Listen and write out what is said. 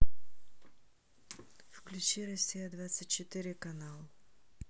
включи россия двадцать четыре канал